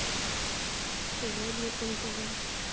сегодня нтв